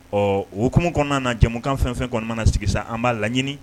Ɔ okumu kɔnɔna na jɛmukan fɛn fɛn kɔnɔna na sigi sisan an b'a laɲini